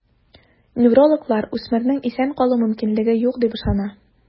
Неврологлар үсмернең исән калу мөмкинлеге юк диеп ышана.